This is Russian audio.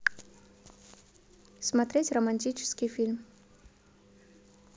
смотреть романтический фильм